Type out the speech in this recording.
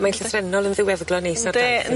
Mae'n llythrennol yn ddiweddglo neis ar .